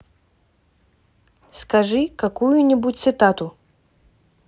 скажи какую нибудь цитату